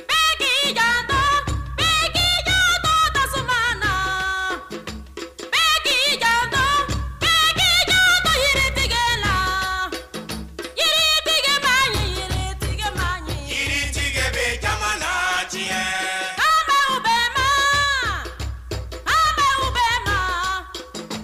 M ja' ja ka sokɛ la m ja ba bɛ yiritigi la jtigiba hinɛtigi ma nk jɛgɛ bɛ ja la diɲɛ faama bɛ ba faama bɛ ba